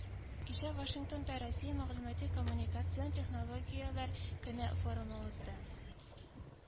Кичә Вашингтонда “Россия мәгълүмати-коммуникацион технологияләр көне” форумы узды.